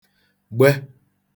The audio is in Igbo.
gbe